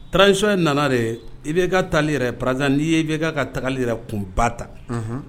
Transition in nana de IBK taali yɛrɛ par exemple n'i ye IBK ka tagali yɛrɛ kun ba ta ,unhun